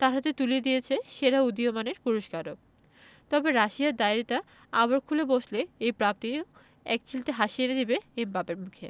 তাঁর হাতে তুলে দিয়েছে সেরা উদীয়মানের পুরস্কারও তবে রাশিয়ার ডায়েরিটা আবার খুলে বসলে এই প্রাপ্তি ও একচিলতে হাসি এনে দেবে এমবাপ্পের মুখে